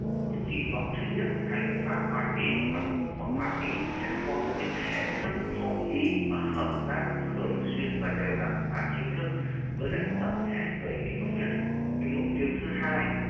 kỳ vọng duy nhất hành pháp hoa kỳ và quốc hội hoa kỳ sẽ có một cái thể thức hội ý và hợp tác thường xuyên và đều đặn và chính thức với lại tập thể người mỹ gốc việt cái mục tiêu thứ hai